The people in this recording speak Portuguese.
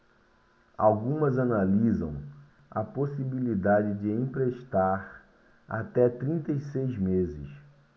algumas analisam a possibilidade de emprestar até trinta e seis meses